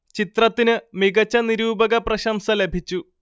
ചിത്രത്തിന് മികച്ച നിരൂപക പ്രശംസ ലഭിച്ചു